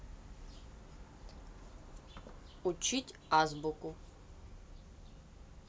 учить азбуку